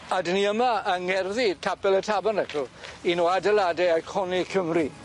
A 'dyn ni yma yng ngerddi Capel y Tabernacl un o adeilade eiconic Cymru.